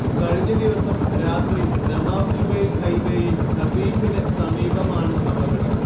കഴിഞ്ഞദിവസം രാത്രി ദമാംജുബൈൽ ഹൈവേയിൽ ഖതീഫിന് സമീപമാണ് അപകടം